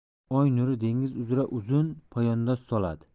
oy nuri dengiz uzra uzun poyandoz soladi